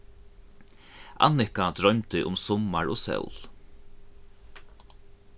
annika droymdi um summar og sól